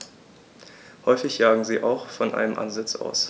Häufig jagen sie auch von einem Ansitz aus.